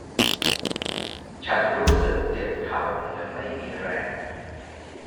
ฉันรู้สึกเจ็บเข่าเหมือนไม่มีแรง